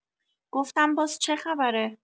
گفتم باز چه خبره؟